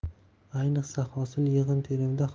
ayniqsa hosil yig'im terimida